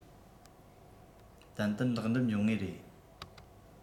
ཏན ཏན ལེགས འགྲུབ འབྱུང ངེས རེད